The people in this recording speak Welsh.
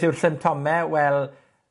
yw'r symtome? Wel,